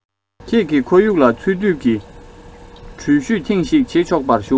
ཁྱེད ཀྱི ཁོར ཡུག ལ འཚོལ སྡུད ཀྱི འགྲུལ བཞུད ཐེངས ཤིག བྱེད ཆོག པར ཞུ